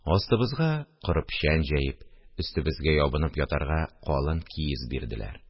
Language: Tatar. Астыбызга коры печән җәеп, өстебезгә ябынып ятарга калын киез бирделәр